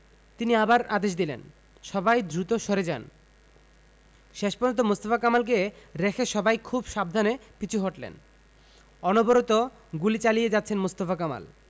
তিনি আবার আদেশ দিলেন সবাই দ্রুত সরে যান শেষ পর্যন্ত মোস্তফা কামালকে রেখে সবাই খুব সাবধানে পিছু হটলেন অনবরত গুলি চালিয়ে যাচ্ছেন মোস্তফা কামাল